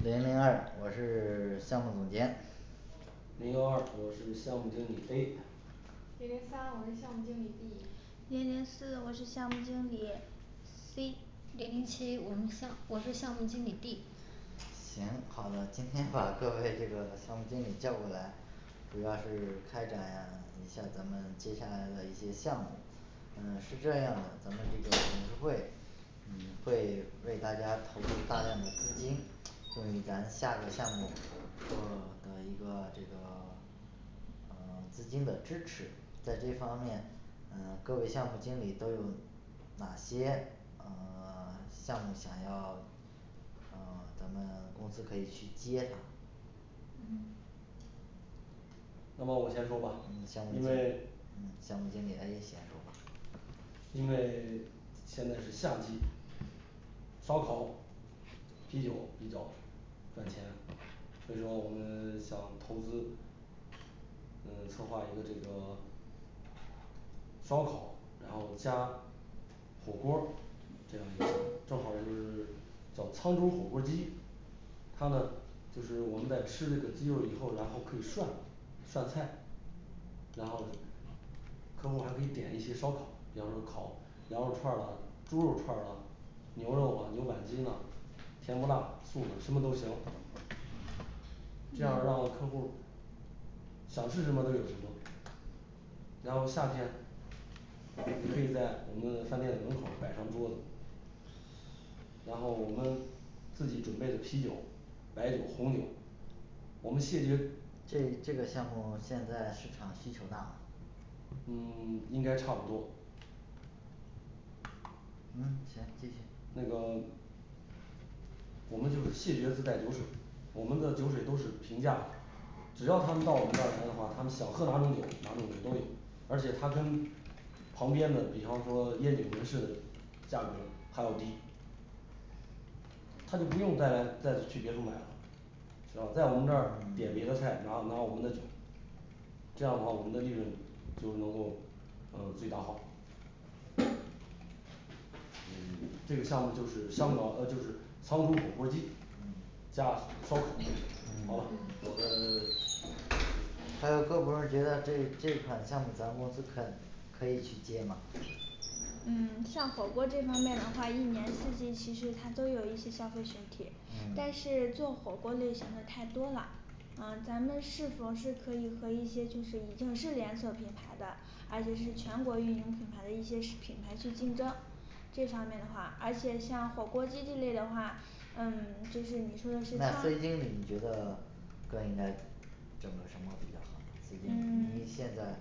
零零二我是 项目总监零幺二我是项目经理A 零零三我是项目经理B 零零四我是项目经理C 零零七我们项我是项目经理D 行，好的，今天把各位这个项目经理叫过来，主要是开展一下咱们接下来的一些项目，嗯是这样的，咱们这个董事会嗯会为大家投入大量的资金，为咱下个项目做的一个这个呃资金的支持在这方面嗯各位项目经理都有哪些呃 项目想要呃咱们公司可以去接它嗯那么我先说吧项因目为嗯项目经理A先说吧因为 现在是夏季烧烤，啤酒比较赚钱，所以说我们 想投资嗯策划一个这个烧烤，然后加火锅儿，这样一个项目正好儿就是叫沧州火锅儿鸡它呢就是我们在吃这个鸡肉以后，然后可以涮涮菜，然后客户还可以点一些烧烤比方说烤羊肉串儿啦，猪肉串儿啦，牛肉啊牛板筋啦，甜不辣，素的什么都行这样儿让客户儿想吃什么都有什么。然后夏天你可以在我们饭店的门口儿摆上桌子然后我们自己准备的啤酒，白酒、红酒，我们谢绝这这个项目现在市场需求大吗嗯 应该差不多嗯行继续那个我们就是谢绝自带酒水，我们的酒水都是平价，只要他们到我们这儿来的话，他们想喝哪种酒哪种的都有而且他跟旁边的比方说烟酒门市的价格还要低，他就不用再来再去别处买了只要在我们这儿点别的菜拿拿我们的酒这样的话我们的利润就能够呃最大化嗯这个项目就是香港呃就是沧州火锅儿鸡嗯加烧烤好了，我的 这还有各部门儿觉得这这款项目咱们公司可可以去接吗嗯像火锅这方面的话，一年四季其实它都有一些消费群体，嗯但是做火锅儿类型的太多了呃咱们是否是可以和一些就是已经是连锁品牌的，而且是全国运营品牌的一些市品牌去竞争这方面的话而且像火锅鸡之类的话，嗯就是你说的去创那C经理觉得更应该整个什么比较好毕竟因为嗯现在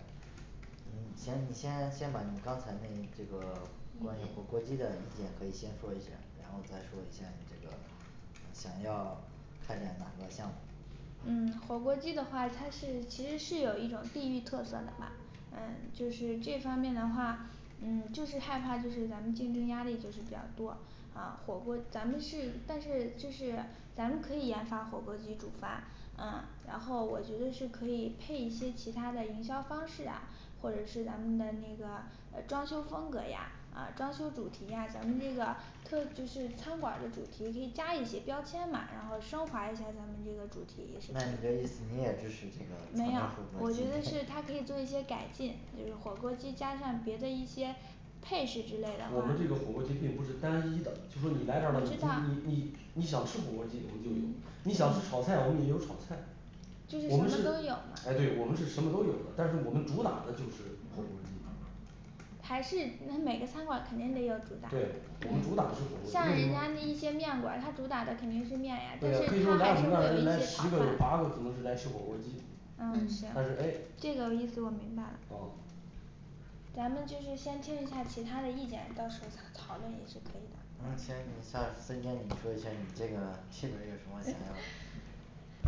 啊火锅咱们是但是这是咱们可以研发火锅鸡主吧嗯，然后我觉得是可以配一些其他的营销方式啊或者是咱们的那个呃装修风格呀啊装修主题呀，咱们这个特就是餐馆儿的主题可以加一些标签嘛，然后升华一下咱们这个主题那你这意思你也支持这个没咱的有火，锅我儿鸡觉得是它可以做一些改进比如火锅儿鸡加上别的一些配饰之类的我话们这个火锅鸡并不是单一的，就说你来这儿了，你知你道你你你想吃火锅鸡我们就有嗯你想吃炒菜，我们也有炒菜就是我什么们是都有诶对我们是什么都有的但是我们主打的就是火锅儿鸡还是嗯每个餐馆肯定得有主打对我们主打是火锅鸡为什么对啊可以说来我们这儿人来十个，有八个可能是来吃火锅儿鸡的嗯行但是诶这个意思我明白哦咱们就是先听一下其他的意见，到时候讨讨论也是可以的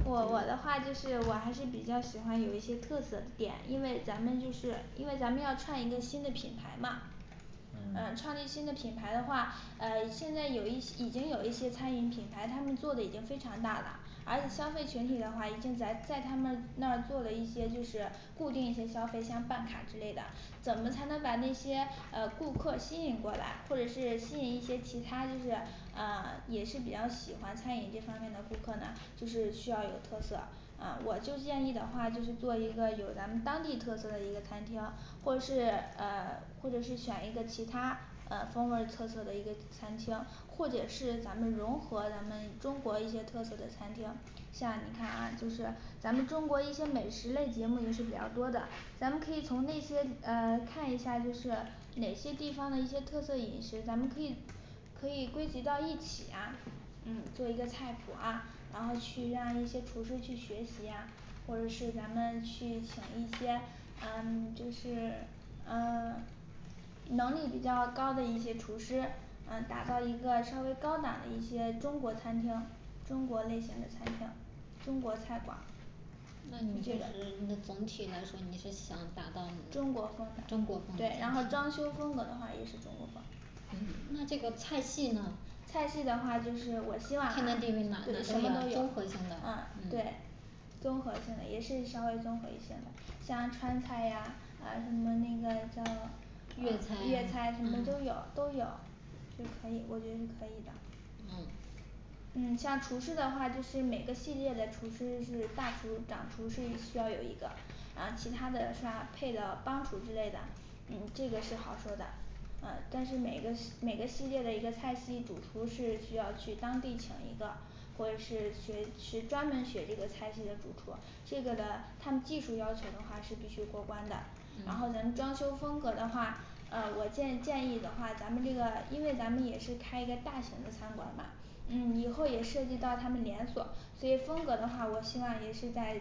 我我的话就是我还是比较喜欢有一些特色点，因为咱们就是因为咱们要创一个新的品牌嘛嗯呃创立新的品牌的话，呃现在有一已经有一些餐饮品牌他们做的已经非常大啦而消费群体的话已经在在他们那儿做了一些就是固定一些消费，像办卡之类的怎么才能把那些呃顾客吸引过来，或者是吸引一些其他就是呃也是比较喜欢餐饮这方面的顾客呢就是需要有特色，呃我就建议的话就是做一个有咱们当地特色的一个餐厅，或是呃或者是选一个其他呃风味儿特色的一个餐厅或者是咱们融合咱们中国一些特色的餐厅，像你看啊就是咱们中国一些美食类节目也是比较多的咱们可以从那些呃看一下就是哪些地方的一些特色饮食，咱们可以可以归集到一起啊，嗯做一个菜谱啊，然后去让一些厨师去学习呀或者是咱们去请一些嗯 就是呃 能力比较高的一些厨师，嗯打造一个稍微高档的一些中国餐厅中国类型的餐厅，中国菜馆儿嗯这个也是呢总体来说，你是想想达到哪中中国国风风对然后装修风格的话也是中国风嗯那这个菜系呢菜系的话就是，我那就是哪哪都希望就什么都有综有合性的啊对综合性的也是稍微综合一些的像川菜呀呃什么那个叫粤菜粤菜什么都嗯有都有这可以，我觉得是可以的嗯像厨师的话就是，每个系列的厨师就是大厨，掌厨是需要有一个啊其他的像配了帮厨之类的嗯这个是好说的嗯根据每个每个系列的一个菜系主厨是需要去当地请一个或者是学去专门学这个菜系的主厨，这个的他们技术要求的话是必须过关的。然后嗯咱们装修风格的话呃我建建议的话，咱们这个因为咱们也是开一间大型的餐馆儿嘛嗯以后也涉及到他们连锁，所以风格的话我希望也是在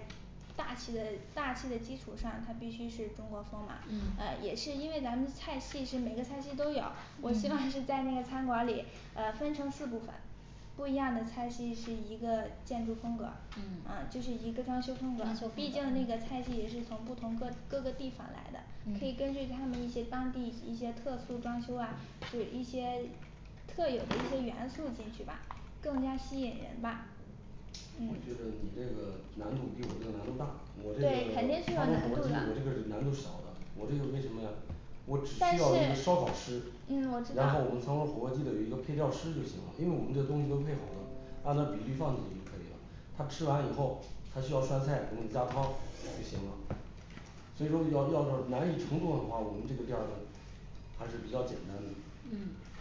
大气的大气的基础上它必须是中国风嘛，呃嗯也是因为咱们菜系是每个菜系都有，我希嗯望是在那个餐馆里呃分成四部分不一样的菜系是一个建筑风格嗯呃就是一个装修风格，就毕竟那个菜系也是从不同各各个地方来的可以嗯根据他们一些当地一些特色装修啊有一些特有的一些元素进去吧，更加吸引人吧我嗯觉得你这个难度比我这个难度大，我这个对肯沧定是州有难火度锅的儿鸡我这个是难度小的我这个为什么呀我只需但要一个是烧烤师嗯我知道然后我们沧州火锅鸡的有一个配调师就行了，因为我们这东西都配好了按照比例放进去就可以了。他吃完以后他需要涮菜我们给加汤就行了。所以说要要是难易程度的话，我们这个店儿的还是比较简单的嗯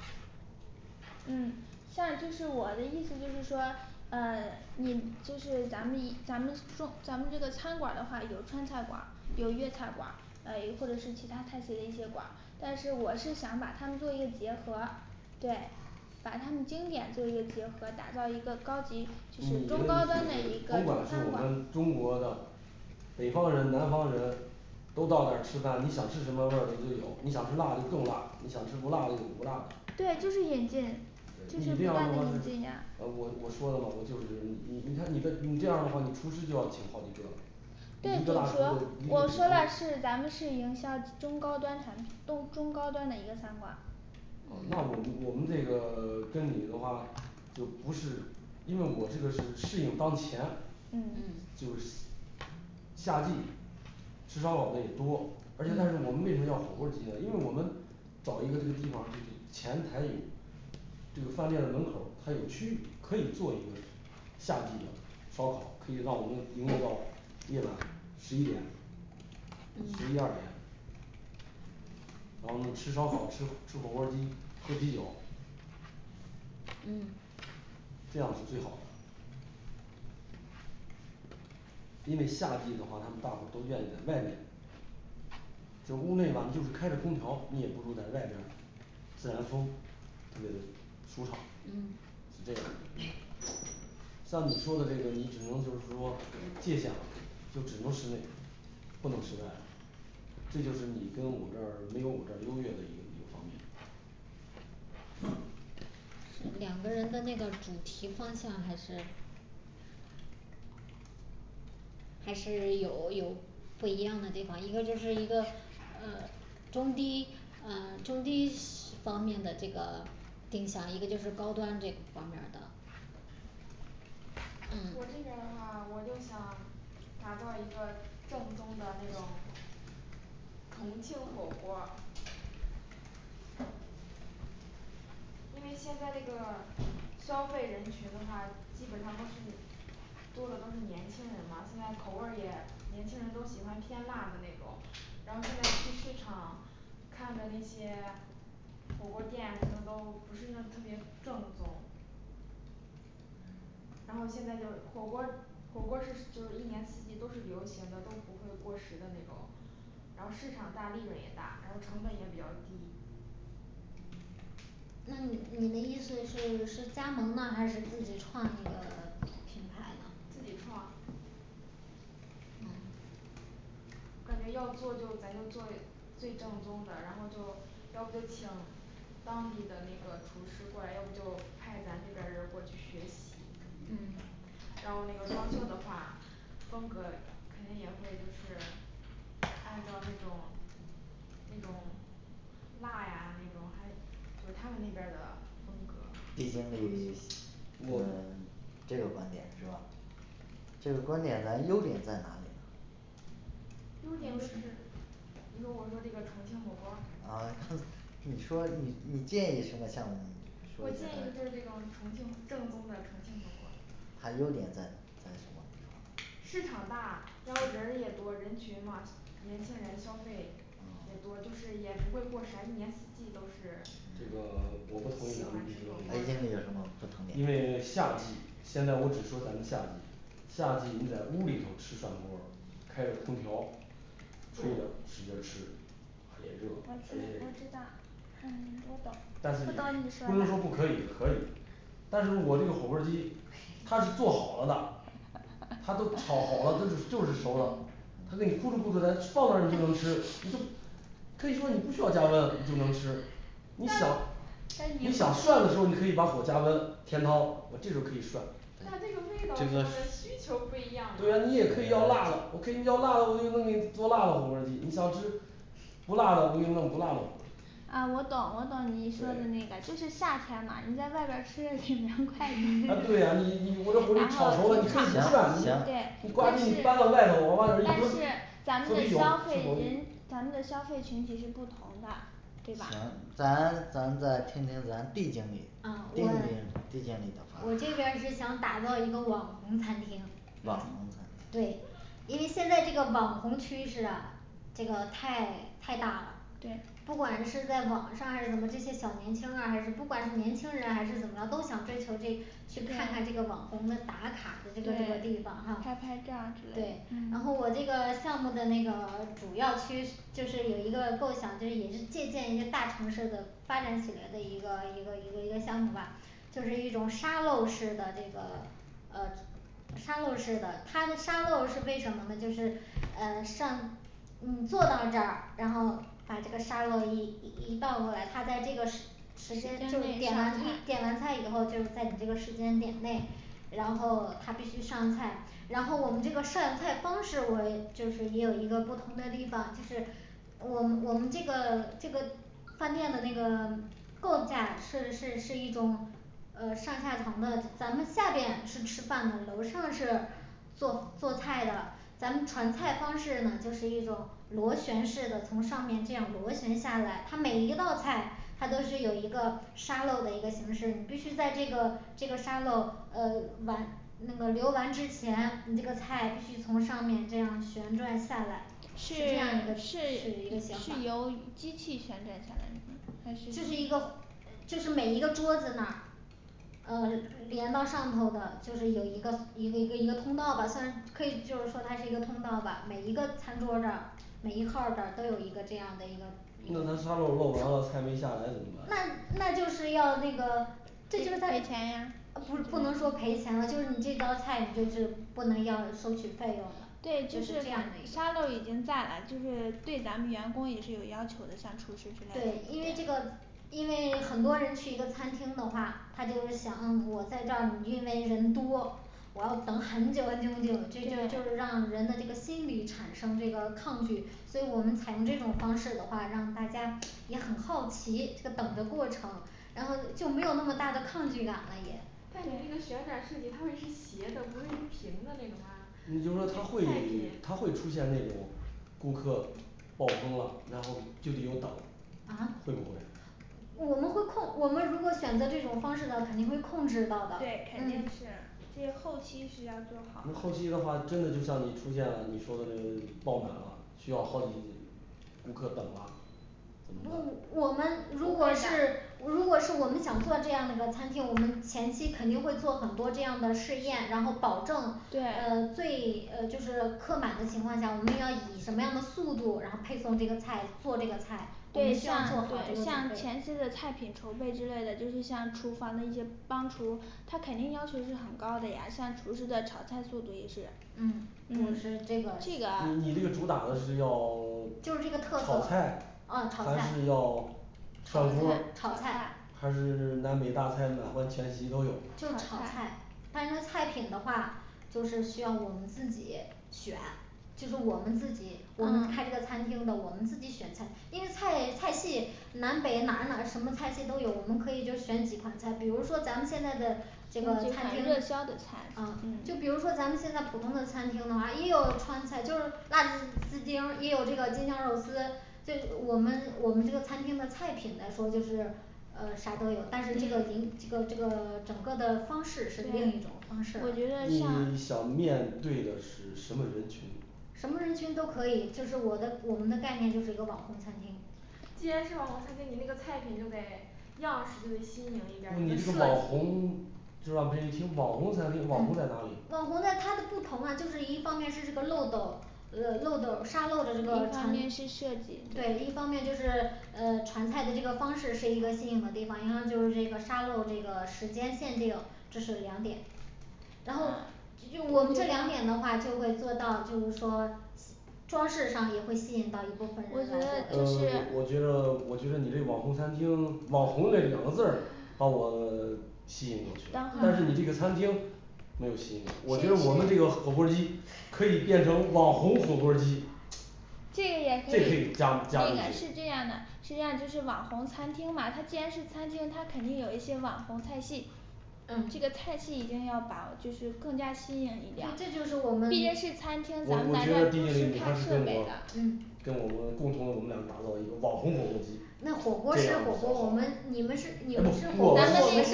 嗯像就是我的意思就是说呃你就是咱们以咱们做咱们这个餐馆儿的话，有川菜馆儿有粤菜馆儿呃一或者是其他菜系的一些馆儿，但是我是想把它们做一个结合。对。把它们经典做一个结合打造一个高级你的意思是中高端的一个甭中管是餐我馆儿们中国的北方人南方人都到那儿吃饭，你想吃什么味儿的就有，你想吃辣就更辣，你想吃不辣的有不辣的对就是引进对就是你这样要的话引是进呀呃我我说的吗我就是你你你看你的你这样儿的话，你厨师就要请好几个了你一个大厨都一个主厨呃那我们我们这个 跟你的话就不是因为我这个是适应当前嗯就是夏季吃烧烤的也多，而且但是嗯我们为什么要火锅儿鸡呢因为我们找一个这个地方儿就是前台有这个饭店的门口儿它有区域可以做一个夏季的烧烤可以让我们营业到夜晚十一点十一嗯二点哦我们吃烧烤、吃户 吃火锅儿鸡、喝啤酒嗯这样是最好的因为夏季的话他们大伙儿都愿意在外面，就屋内吧你就是开着空调，你也不如在外边儿自然风特别的舒畅嗯是这样，像你说的这个你只能就是说界限了，就只能室内不能室外了这就是你跟我这儿没有我这儿优越的一个一个方面两个人的那个主题方向还是还是有有不一样的地方，一个就是一个呃中低呃中低方面的这个定向，一个就是高端这方面儿的我嗯这边儿的话我就想打造一个正宗的那种重庆火锅儿因为现在那个消费人群的话基本上都是多的都是年轻人嘛，现在口味儿也年轻人都喜欢偏辣的那种然后现在去市场看的那些火锅儿店什么的都不是那特别正宗然后现在就火锅儿火锅儿是就是一年四季都是流行的，都不会过时的那种然后市场大利润也大，然后成本也比较低那你你的意思是是加盟呢还是自己创，一个品牌呢自己创嗯感觉要做就咱就做最正宗的，然后就要不就请当地的那个厨师过来，要不就派咱那边儿人儿过去学习嗯然后那个装修的话，风格肯定也会就是按照那种那种辣呀那种还就他们那边儿的风格我这个观点咱优点在哪里呢？优点就是啊他你说你你建议什么项目我说一下建议就是这种重庆正宗的重庆火锅儿它优点在在什么地方市场大，然后人儿也多，人群嘛年轻人消费也嗯多，就是也不会过啥，一年四季都是这个 我不同意咱们B 经理 A 经理有什么不同因意为夏季现在我只说咱们夏季夏季你在屋里头吃涮锅儿，开着空调，吹着使劲儿吃，啊也热我而听我且知道嗯我懂但我是懂你说不能说的不可以可以但是我这个火锅儿鸡它是做好了的，它都炒好了都是就是熟的，他给你在放那儿你就能吃，就可以说你不需要加温你就能吃你想但但是你你想涮的时候儿你可以把火加温添汤我这时候儿可以涮呃这个是对啊你也可以要辣的，我可以要辣的我就弄给你做辣的火锅儿鸡你想吃不辣的我给你弄不辣的火锅儿鸡呃我懂我懂你说的对那个就是夏天嘛你在外边儿吃的挺凉快的 啊对啊你你我这我这炒熟了你可以不涮你你对呱但是唧你搬到外头往外头一但蹲是咱喝啤酒吃火锅们的消费儿鸡人咱们的消费群体是不同的。对吧行咱咱再听听咱D经理啊 D 经我理D经理的话我这边儿是想打造一个网红餐厅网红餐厅对因为现在这个网红趋势啊这个太太大了对不管是在网上还是怎么这些小年轻儿啊还是不管是年轻人还是怎么了，都想追求这去看看这个网红跟打卡的这个对这个地方啊拍拍照儿之对类嗯然后我这个项目的那个主要其实就是有一个构想，就是也是借鉴一些大城市的发展起来的一个一个一个一个项目吧就是一种沙漏式的那个呃沙漏似的它沙漏是为什么呢就是呃上然后他必须上菜，然后我们这个上菜方式我就是也有一个不同的地方就是。我我们这个这个饭店的那个构架是是是一种呃上下层的，咱们下边是吃饭的，楼上是做做菜的咱们传菜方式呢就是一种螺旋式的，从上面这样螺旋下来，它每一道菜它都是有一个沙漏的一个形式你必须在这个这个沙漏呃完那个流完之前，你这个菜必须从上面这样旋转下来，是这是样一个是是一个想法是由机器旋转下来的吗还是就是一个就是每一个桌子那儿呃连到上头的就是有一个一个一个一个通道吧，虽然可以就是说它这个通道吧每一个餐桌这儿每一号儿这儿都有这样的一个那咱沙漏漏完了菜没下来怎么那办那就是要这个这就是他赔钱呀啊不是不能说赔钱了就是你这道菜你就是不能要收取费用对了就就是是这样的一个沙漏已经在了就是对咱们员工也是有要求的像厨师之类对的因为这个因为很多人去一个餐厅的话，他就是想我让在这儿因为人多，我要等很久很久很久这就就是让人的这个心理产生这个抗拒所以我们采用这种方式的话，让大家也很好奇这个等的过程，然后就没有那么大的抗拒感了也但你那个旋转设计它会是斜的，不会是平的那种啊菜品啊会不会我们会控，我们如果选择这种方式呢肯定会控制到的对肯定嗯是所以后期是要做好那后期的话真的就像你出现了你说的那 爆满了需要好几顾客等了怎如么办我们如果是如果是我们想做这样的个餐厅，我们前期肯定会做很多这样的试验，然后保证对呃最呃就是客满的情况下，我们要以什么样的速度然后配送做这个菜我们对需要做好像对这个准像备前期的菜品筹备之类的就是像厨房的一些帮厨，他肯定要求是很高的呀像厨师的炒菜速度也是嗯你说这个这个你你这个主打的是要 就是这个特炒色菜，呃炒还菜是要炒涮锅菜儿炒炒菜菜还是南北大菜，满汉全席都有就是炒菜但是菜品的话就是需要我们自己选，这个我们自己我们嗯开这个餐厅的，我们自己选菜，因为菜菜系南北哪儿哪儿什么菜系都有我们可以就选几款菜，比如说咱们现在的这个弄几餐款厅热销的菜呃就比如说咱们现在普通的餐厅的话，也有川菜，就是辣子鸡丁儿，也有这个京酱肉丝就我们我们这个餐厅的菜品来说就是呃啥都有，但是这个您这个这个整个的方式是另一对种方式我觉得嗯想面对的是什么人群什么人群都可以，就是我的我们的概念就是一个网红餐厅既然是网红餐厅你那个菜品就得样式就得新颖一点儿不你这你个设这个网计红就让别人一听网红餐厅网红在哪里网红在它的不同啊就是一方面是这个漏斗呃漏斗儿沙漏的这一个方面是设计对一方面就是呃传菜的这个方式是一个新颖的地方一个就是这个沙漏儿这个时间限定这是两点然后就我们这两点的话就会做到就是说装饰上也会吸引到一部分我人来觉呃的得就我我是觉得我觉得你这个网红餐厅网红那两个字儿把我 吸引过去的但是你这个餐厅没有吸引我，我觉得我们这个火锅儿鸡可以变成网红火锅儿鸡这个也可这以可是以这加样加进的是去这样就是网红餐厅嘛，它既然是餐厅，它肯定有一些网红菜系这嗯个菜系一定要把就是更加吸引一对点儿这就是我们毕竟是餐厅我我觉得毕竟你还是跟我嗯跟我我们共同我们俩打造一个网红火锅儿鸡这样好不好啊不我是说